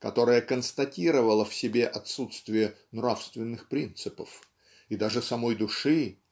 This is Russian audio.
которая констатировала в себе отсутствие "нравственных принципов" и даже самой души